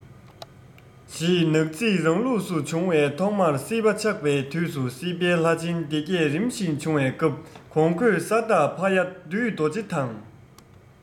ཞེས ནག རྩིས རང ལུགས སུ བྱུང བའི ཐོག མར སྲིད པ ཆགས པའི དུས སུ སྲིད པའི ལྷ ཆེན སྡེ བརྒྱད རིམ བཞིན བྱུང བའི སྐབས གོང འཁོད ས བདག ཕ ཡ བདུད རྡོ རྗེ དང